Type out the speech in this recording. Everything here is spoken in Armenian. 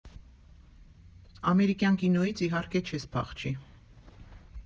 Ամերիկյան կինոյից, իհարկե, չես փախչի։